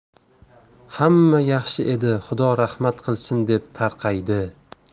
hamma yaxshi edi xudo rahmat qilsin deb tarqaydi